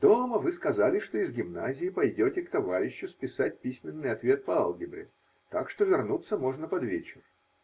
Дома вы сказали, что из гимназии пойдете к товарищу списать письменный ответ по алгебре, так что вернуться можно под вечер.